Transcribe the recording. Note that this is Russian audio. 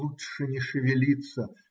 Лучше не шевелиться.